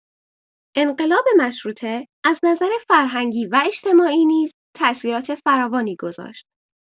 انقلاب مشروطه از نظر فرهنگی و اجتماعی نیز تأثیرات فراوانی گذاشت.